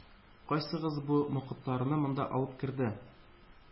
-кайсыгыз бу мокытларны монда алып керде,